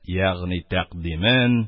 Ягъни тәкъдимен